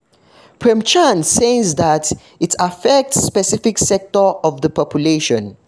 Prem Chand says that it affects specific sectors of the population: